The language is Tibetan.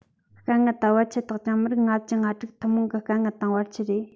དཀའ ངལ དང བར ཆད དག ཀྱང མི རིགས ལྔ བཅུ ང དྲུག ཐུན མོང གི དཀའ ངལ དང བར ཆད རེད